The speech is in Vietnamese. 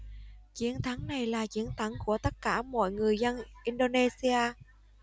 chiến thắng này là chiến thắng của tất cả mọi người dân indonesia